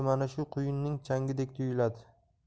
mana shu quyunning changidek tuyuladi